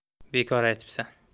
bekor aytibsan